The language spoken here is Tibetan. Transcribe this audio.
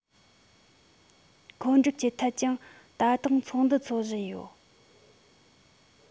མཁོ སྒྲུབ ཀྱི ཐད ཀྱང ད ལྟ ཚོགས འདུ འཚོག བཞིན ཡོད